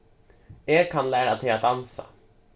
eg kann læra teg at dansa